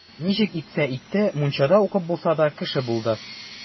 Ничек итсә итте, мунчада укып булса да, кеше булды.